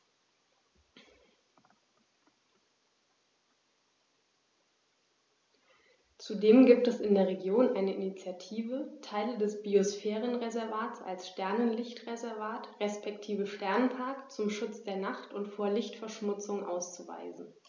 Zudem gibt es in der Region eine Initiative, Teile des Biosphärenreservats als Sternenlicht-Reservat respektive Sternenpark zum Schutz der Nacht und vor Lichtverschmutzung auszuweisen.